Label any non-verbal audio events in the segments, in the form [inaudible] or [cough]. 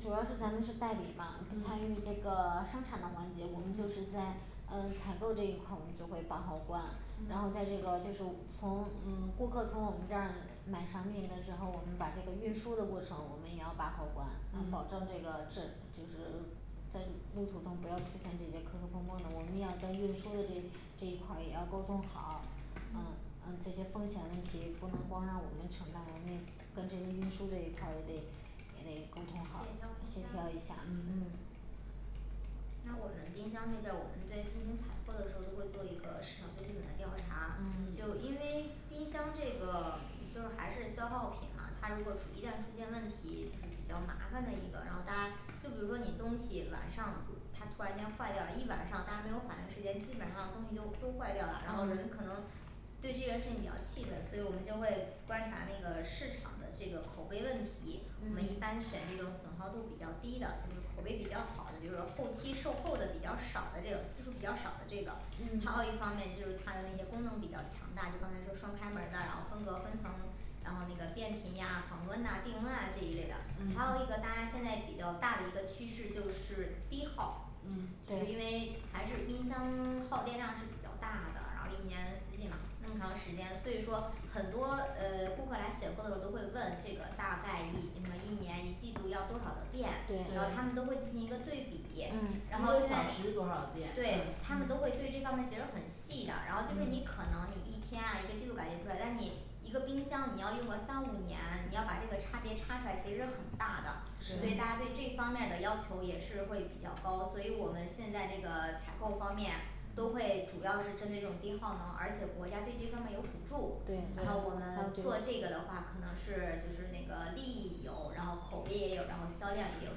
主要是咱们这个代理嘛不参嗯与那个生产的环节，我们就是嗯在呃采购这一块儿我们就会把好关，然后嗯在这个就是从呃顾客从我们这儿买产品的时候，我们把这个运输的过程我们也要把好关，保证嗯这个这就是在路途中不要出现这些磕磕碰碰的，我们要跟运输的这这一块儿也要沟通好啊嗯，这些风险问题不能光让我们承担我们跟这些运输这一块儿也得也得沟通好协协调调一一下下。嗯那我们冰箱那边儿我们对进行采购的时候都会做一个市场最基本的调查，嗯就因为冰箱这个就还是消耗品嘛，它如果一旦出现问题比较麻烦的一个，然后大家就比如说你东西晚上它突然间坏掉了一晚上，大家没有反应时间，基本上东西就都坏掉啦，然后人嗯可能对这件事情比较气愤，所以我们就会观察那个市场的这个口碑问题，我们一般嗯选这种损耗度比较低的，就是口碑比较好的就是，后期售后的比较少的这个，次数比较少的这个。还嗯有一方面就是它的那些功能比较强大，就刚才说双开门儿的，然后分隔分层然后那个变频呀恒温吶定温啊这一类的，还有一嗯个大家现在比较大的一个趋势，就是低耗嗯就是因为还是冰箱耗电量是比较大的，然后一年四季嘛那么长时间，所以说很多呃顾客来选购的都会问这个大概一一年一季度要多少的电，然后对他们都对会进行一个对比嗯然一后个现在小时多少电啊对，他们都嗯会对这方面其实很细的，然后就是你嗯可能你一天啊一个季度感觉不出来，但是你一个冰箱你要用个三五年，你要把这个差别差出来其实是很大的，所以大家对对这方面儿的要求也是会比较高，所以我们现在这个采购方面都会主要是针对这种低耗能，而且国家对这方面有补助，对然后我对们做这个的话可能是就是那个利益有，然后口碑也有，然后销量也有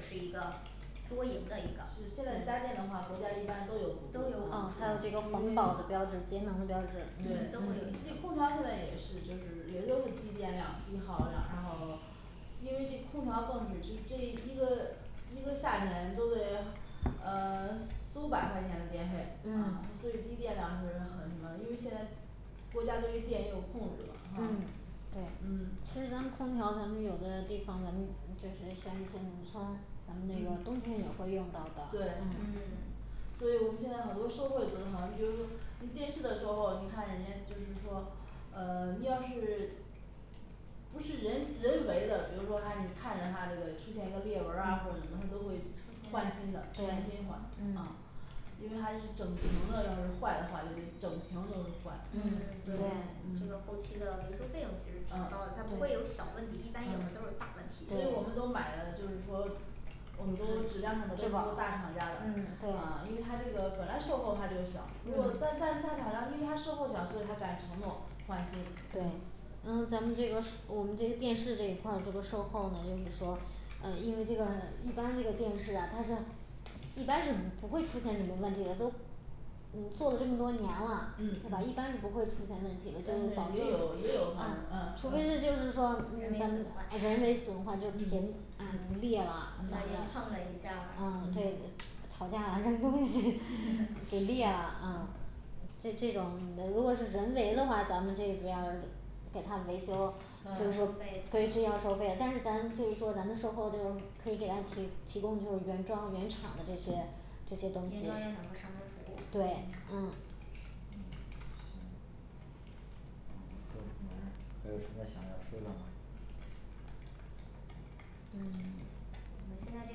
是一个多赢的，一个是现在家电的话，国家一般都都有有补补助助啊，，还有嗯这因个环保的标志为 [silence]，节能的标志对所，都会有一以空调，定的现在也是就是也都是低电量低耗量，然后因为这空调更是就是这一个一个夏天都得呃 [silence] 四五百块钱的电费，呃嗯所以低电量是很什么？因为现在。国家对于电也有控制嘛哈嗯，对嗯，其实咱们空调有的地方可能就是像一些农村，咱们那个冬嗯天也会用到的对嗯 [silence] 所以我们现在好多售后也做的好，你比如说你电视的时候，你看人家就是说呃你要是不是人人为的，比如说啊你看着它这个出现一个裂纹儿啊或者什么，它都会换新的全新换对嗯啊因为它是整屏的，要是坏的话就得整屏都是坏嗯嗯嗯对对，这个嗯后期的维修费用其实挺高的，它嗯不会有小问题，一般有的嗯都是大问题所以我们都买的就是说我们都质量上面儿都是做大厂家的嗯，，对啊因为它这个本来售后它就小，如果但但是大厂家因为它售后小，所以它敢承诺换新对呃咱们这个我们这电视这一块儿这个售后呢就是说啊因为这个一般这个电视啊它是一般是不不会出现什么问题的，都嗯做了这么多年嗯了是吧？一般是嗯不会出现问题的，就但是保是证也，有也有换嗯，嗯除非是就是说人嗯为咱损们坏嗯 [noise] 人为损坏就是屏，啊裂啦不小心碰了一下，儿啊这吵架了扔东西 [noise] [noise] 给裂了啊。这这种的如果是人为的话，咱们这边儿给他维修就收啊费，对需要收费，但是咱就是说咱们售后就是可以给他提提供就是原装原厂的这些这些东西。原装原厂上门儿服对务嗯行，嗯后 [unintelligible] 你们还有什么想要说的吗？嗯我们现在这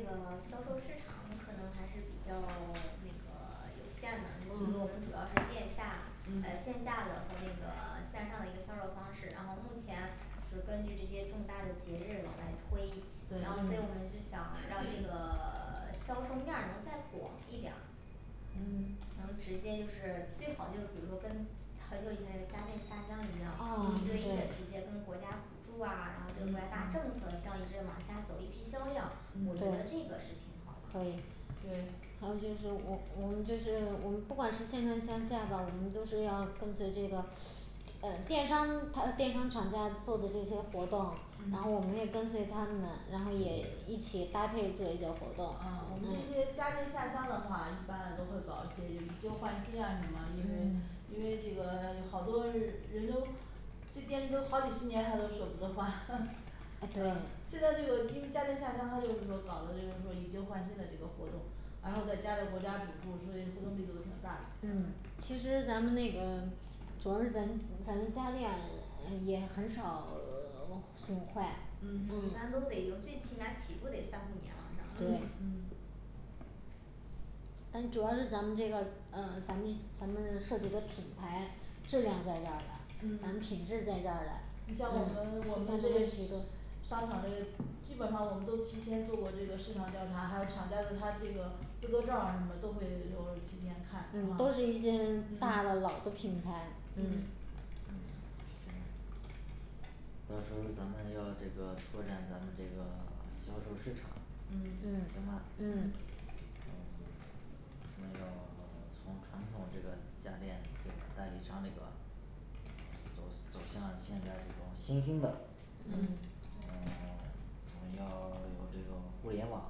个销售市场可能还是比较 [silence] 那个 [silence] 有限的，因为我们嗯主要是线下呃嗯线下的和那个线上的一个销售方式，然后目前是根据这些重大的节日往外推，然后所以对我们就想让这个 [silence] 销售面儿能再广一点儿嗯能直接就是最好就，比如说跟很久以前那个家电下乡一样嗯，啊一对一嗯的直接跟国家补助啊，然后嗯国家大政策，嗯往下走一批销量，我嗯觉得这对个是挺好的可以对还有就是说我我们就是我们不管是线上线下的，我们都是要跟随这个呃电商电商厂家做的这些活动然后嗯我们也跟随他们，然后也一起搭配做一些活动啊，我们这些家电下乡的话一般都会搞一些就是以旧换新啊什么，因为因为这个好多人都这电视都好几十年，他都舍不得换。 [noise] 呃现在这个因为家电下乡他就是说搞的就是说以旧换新的这个活动，然后再加到国家补助，所以活动力度挺大的，嗯嗯，其实咱们那个主要是咱咱家电呃也很少 [silence] 损坏嗯一般都嗯得用，最起码起步得三五年往上。嗯嗯但是主要是咱们这个啊咱们咱们涉及的品牌质量在这儿的，咱们嗯品质在这儿嘞你像我们我们这商场的，基本上我们都提前做过这个市场调查，还有厂家的他这个资格证儿啊什么都会有，提前看嗯都是一些大的嗯老的品牌。嗯嗯行。到时候咱们要这个拓展咱们这个 [silence] 销售市场。嗯行嗯吧嗯嗯呃 [silence] 那就 [silence] 从传统这个家电这个代理商这个走走向现在这种新兴的嗯嗯嗯我们要有这种互联网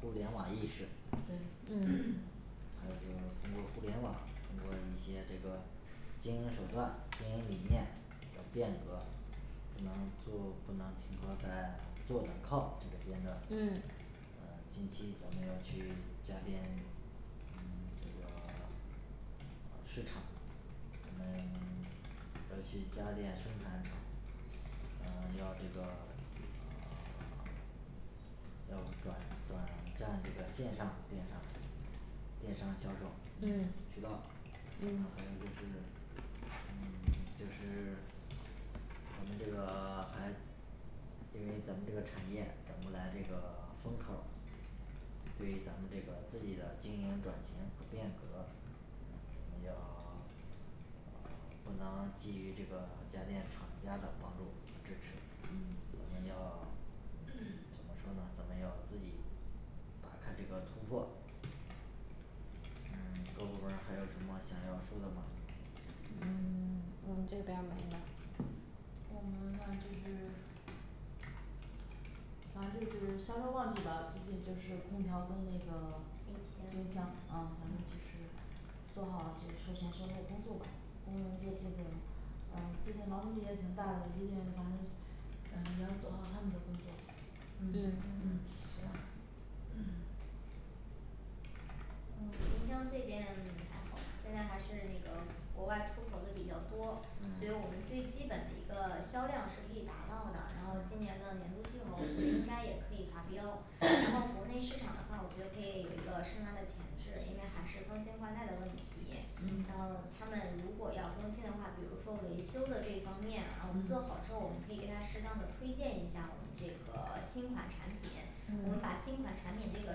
互联网意识对嗯还有就是通过互联网，通过一些这个经营手段经营理念的变革，不能坐不能停留在坐等靠这个阶段嗯呃近期咱们要去家电，嗯这个 [silence] 市场，我们 [silence] 要去家电生产厂，呃 [silence] 要这个呃要转转战这个线上电商，电商销售嗯嗯渠道。嗯 [silence] 嗯就是 [silence] 这个 [silence] 还这个咱们这个产业怎么来这个 [silence] 风口儿对于咱们这个自己的经营转型变革，我们要 [silence] 不能给予这个家电厂家的帮助和支持，嗯我们要怎么说呢咱们要自己打开这个突破，嗯各部门儿还有什么想要说的吗？嗯 [silence] 我这边儿没了。我们呢就是反正就是销售旺季吧，最近就是空调跟那个冰冰箱箱啊反正就是做好就是售前售后工作吧，工人的这个呃最近劳动力也挺大的，一定反正呃要做好他们的工作。嗯，嗯嗯行呃冰箱这边还好，现在还是那个国外出口的比较多，所以我们啊最基本的一个销量是可以达到的，然后今年呢年度计划我觉得应该也可以达标然后 [hesitation] 国内市场的话我觉得可以有一个深挖的潜质，因为还是更新换代的问题，然嗯后他们如果要更新的话，比如说维修的这方面，啊我们做嗯好之后，我们可以给他适当的推荐一下我们这个新款产品我们把嗯新款产品这个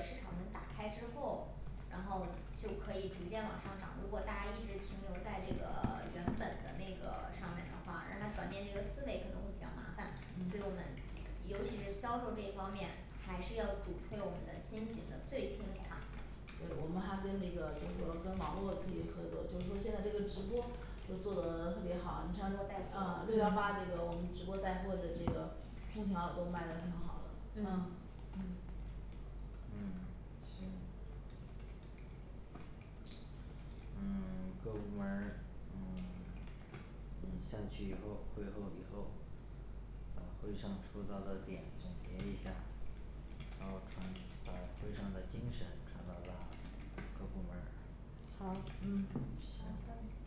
市场门打开之后，然后就可以逐渐往上涨，如果大家一直停留在这个原本的那个上面的话，让他转变这个思维可能会比较麻烦，所嗯以我们尤其是销售这一方面，还是要主推我们的新型的最新款对，我们还跟那个就是说跟网络可以合作，就是说现在这个直播都做得特直别好，你像播带啊六货幺八这个我们直播带货的这个空调都卖的挺好的。 嗯嗯嗯，行嗯 [silence] 各部门儿嗯 [silence] 嗯下去以后会后以后，呃会上说到的点总结一下。好，咱们把会上的精神传到达各部门儿。好嗯好行的